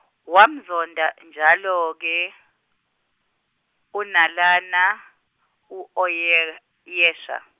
wamzonda njalo-ke, uNalana u-Oye- -yesha.